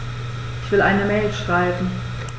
Ich will eine Mail schreiben.